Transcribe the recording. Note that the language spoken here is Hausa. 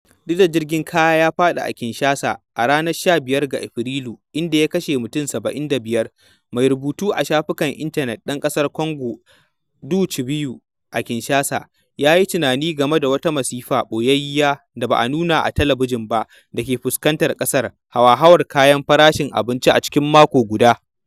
Duk da jirgin kayan ya faɗi a Kinshasa a ranar 15 ga Afrilu, inda ya kashe mutane 75, mai rubutu a shafukan intanet ɗan ƙasar Kwango Du Cabiau à Kinshasa, ya yi tunani game da wata masifa ɓoyayya da ba a nuna ta ba a talabijin dake fuskantar ƙasar: hauhawar farashin abinci a cikin mako guda..